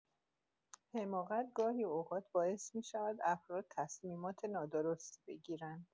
حماقت گاهی اوقات باعث می‌شود افراد تصمیمات نادرستی بگیرند.